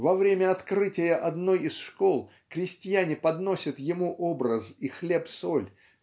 во время открытия одной из школ крестьяне подносят ему образ и хлеб-соль